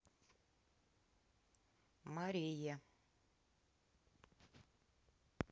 мария